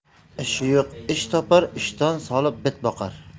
ishi yo'q ish topar ishton solib bit boqar